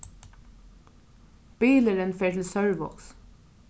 bilurin fer til sørvágs